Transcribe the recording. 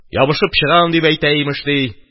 – ябышып чыгам, дип әйтә, имеш, ди.